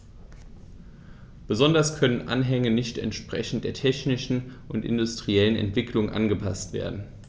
Insbesondere können Anhänge nicht entsprechend der technischen und industriellen Entwicklung angepaßt werden.